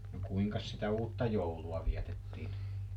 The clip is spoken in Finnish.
no kuinkas sitä uuttajoulua vietettiin